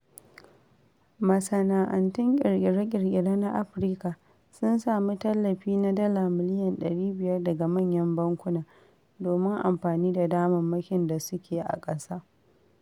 Masana’antun ƙirƙire-ƙirƙire na Afirka sun samu tallafi na Dala miliyon ɗari biyar daga manyan bankuna domin amfani da damammakin da suke a ƙasa.